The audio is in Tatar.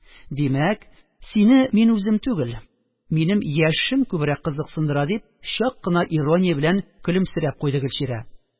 – димәк, сине мин үзем түгел, минем яшем күбрәк кызыксындыра, – дип, чак кына ирония белән көлемсерәп куйды гөлчирә